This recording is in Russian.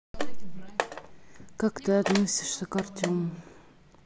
как ты относишься к артему